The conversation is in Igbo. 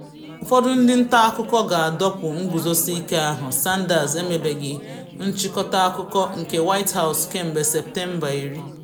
Ụfọdụ ndi nta akụkọ ga-adọkpụ ngozusike ahụ: Sanders emebeghị nchịkọta akụkọ nke White House kemgbe Septemba 10.